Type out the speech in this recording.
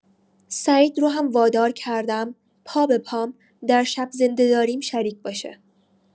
سعید رو هم وادار کردم پا به پام در شب زنده داریم شریک باشه.